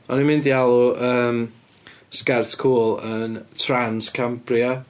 O'n i'n mynd i alw yym sgert cwl yn Trans-Cambria.